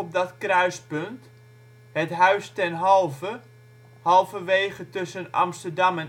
dat kruispunt, het ' Huis ten Halve ' (halverwege tussen Amsterdam